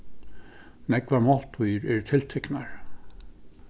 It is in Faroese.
nógvar máltíðir eru tiltiknar